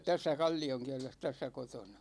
tässä Kallionkielessä tässä kotona